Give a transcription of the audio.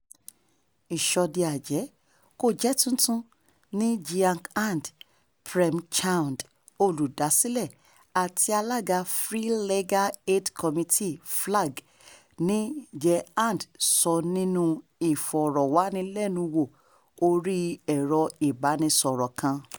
"Ìṣọdẹ-àjẹ́ kò jẹ́ tuntun ní Jharkhand", Prem Chand, Olúdásílẹ̀ àti Alága Free Legal Aid Committee (FLAC) ní Jharkhand, sọ nínúu ìfọ̀rọ̀wánilẹ́nuwò orí ẹ̀ro-ìbánisọ̀rọ̀ kan.